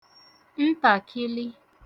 ntakịlị